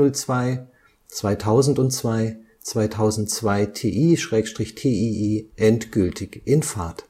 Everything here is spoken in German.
1802, 2002, 2002ti/tii endgültig in Fahrt